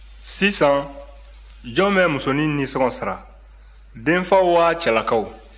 sisan jɔn bɛ musonin nisɔngɔ sara denfaw waa cɛlakaw